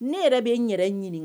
Ne yɛrɛ b' e yɛrɛ ɲini